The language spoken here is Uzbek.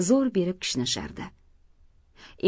zo'r berib kishnashardi